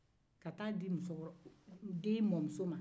ka taa di musokɔrɔ den mɔmuso ma